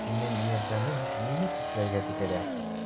Синең ярдәмең мине күкләргә күтәрә,